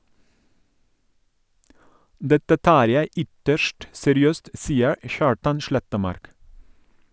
Dette tar jeg ytterst seriøst, sier Kjartan Slettemark.